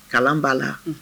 Kalan b'a la; Un.